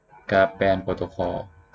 กราฟแบรนด์โปรโตคอล